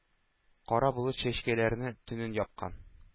Кара болыт чәчкәйләре тәнен япкан;